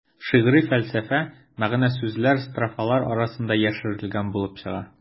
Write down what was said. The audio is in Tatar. Шигъри фәлсәфә, мәгънә-сүзләр строфалар арасына яшерелгән булып чыга.